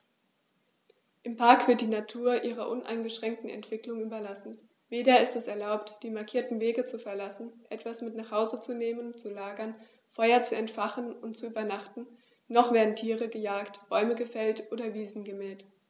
Im Park wird die Natur ihrer uneingeschränkten Entwicklung überlassen; weder ist es erlaubt, die markierten Wege zu verlassen, etwas mit nach Hause zu nehmen, zu lagern, Feuer zu entfachen und zu übernachten, noch werden Tiere gejagt, Bäume gefällt oder Wiesen gemäht.